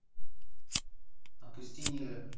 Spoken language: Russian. опусти ниже